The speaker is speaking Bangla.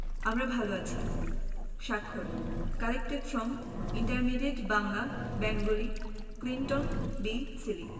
আমরা ভালো আছি স্বাক্ষর Collected from Intermediate Bangla Bengali Clinton B Seely